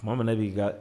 Tuma min b'i ka